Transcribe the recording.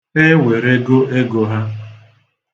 Ha ewerego ego ha.